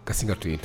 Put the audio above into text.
Kasi ka to yen